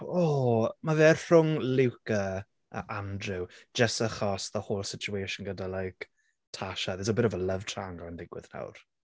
O ma' fe rhwng Luca a Andrew jyst achos the whole situation gyda like Tasha. There's a bit of a love triangle yn digwydd nawr.